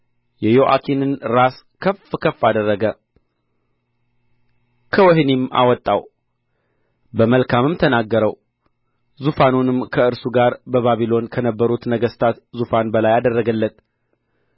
የዮአኪንን ራስ ከፍ ከፍ አደረገ ከወህኒም አወጣው በመልካምም ተናገረው ዙፋኑንም ከእርሱ ጋር በባቢሎን ከነበሩት ነገሥታት ዙፋን በላይ አደረገለት